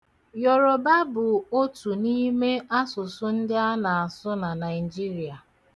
Yoroba bụ otu n'ime asụsụ ndị ana-asụ na Naijiria.